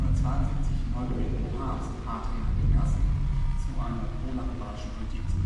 772 neugewählten Papst Hadrian I. zu einer pro-langobardischen Politik